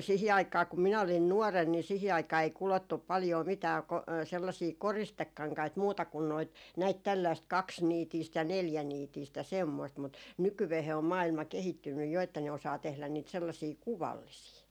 siihen aikaan kun minä olin nuorena niin siihen aikaan ei kudottu paljoa mitään - sellaisia koristekankaita muuta kuin noita näitä tällaista kaksiniitistä ja neljäniitistä ja semmoista mutta nykyään on maailma kehittynyt jo että ne osaa tehdä niitä sellaisia kuvallisia